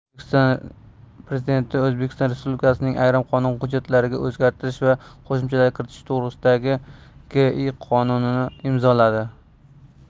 o'zbekiston prezidenti o'zbekiston respublikasining ayrim qonun hujjatlariga o'zgartish va qo'shimchalar kiritish to'g'risida gi qonunni imzoladi